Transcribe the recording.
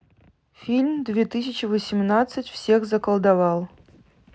фильм две тысячи восемнадцать всех заколдовал